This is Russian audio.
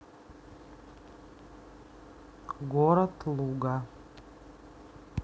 город луга